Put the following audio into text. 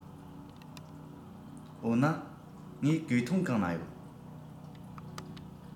འོ ན ངའི གོས ཐུང གང ན ཡོད